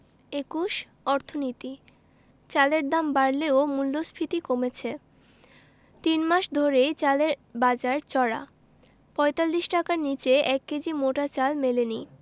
২১ অর্থনীতি চালের দাম বাড়লেও মূল্যস্ফীতি কমেছে তিন মাস ধরেই চালের বাজার চড়া ৪৫ টাকার নিচে ১ কেজি মোটা চাল মেলেনি